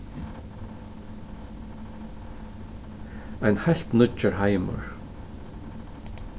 ein heilt nýggjur heimur